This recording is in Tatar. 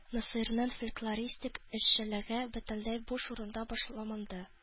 Насыйриның фольклористик эшчәнлеге бөтенләй буш урында башланмады